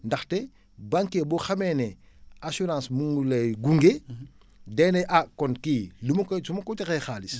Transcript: ndaxte banquier :fraassurance bu xamee ne assurance mu ngi lay gunge day ne ah kon kii li ma koy su ma ko joxee xaalis